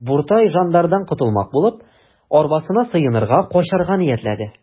Буртай жандардан котылмак булып, арбасына сыенырга, качарга ниятләде.